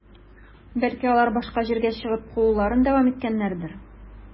Бәлки, алар башка җирдә чыгып, кууларын дәвам иткәннәрдер?